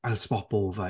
I'll swap over.